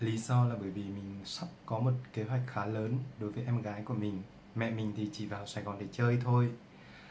lý do là vì mình có một kế hoạch khá lớn đối với em gái của mình còn mẹ mình thì chỉ vào chơi thôi